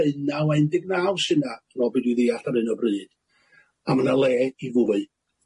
deunaw a un deg naw sy' 'na fel be' dwi'n ddeall ar hyn o bryd a ma' 'na le i fwy